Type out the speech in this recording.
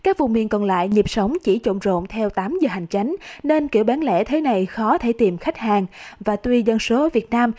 các vùng miền còn lại nhịp sống chỉ chộn rộn theo tám giờ hành chánh nên kiểu bán lẻ thế này khó thể tìm khách hàng và tuy dân số việt nam